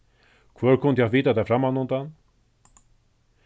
hvør kundi havt vitað tað frammanundan